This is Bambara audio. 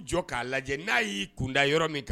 Jɔ k'a lajɛ n'a y'i kunda yɔrɔ min kan